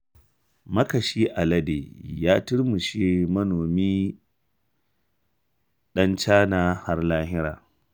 Makashi Alade ya Turmushe Manomi Dan China har Lahira